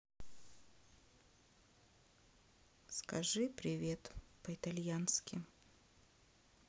скажи привет по итальянски